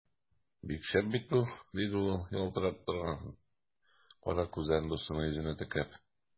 Бик шәп бит бу! - диде ул, ялтырап торган кара күзләрен дустының йөзенә текәп.